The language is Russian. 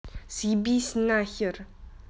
съебись нахер